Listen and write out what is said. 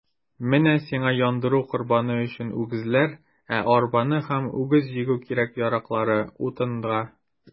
Менә сиңа яндыру корбаны өчен үгезләр, ә арбалары һәм үгез җигү кирәк-яраклары - утынга.